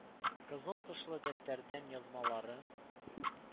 “кызыл тышлы дәфтәрдән” язмаларын,